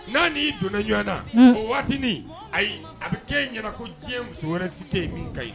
N'a nii donna ɲɔgɔn na o waati ayi a bɛ kɛ ɲɛna ko diɲɛ muso wɛrɛ si tɛ ye min ka ɲi